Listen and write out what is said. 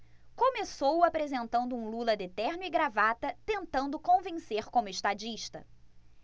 começou apresentando um lula de terno e gravata tentando convencer como estadista